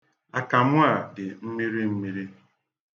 Akamụ a na-atọ mmirimmiri.